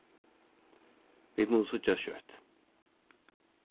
vit mugu síggjast skjótt